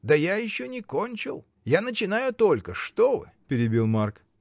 — Да я еще не кончил: я начинаю только, что вы! — перебил Марк.